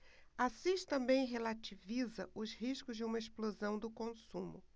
assis também relativiza os riscos de uma explosão do consumo